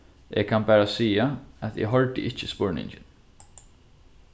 eg kann bara siga at eg hoyrdi ikki spurningin